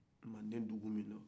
manden dugu min dɔ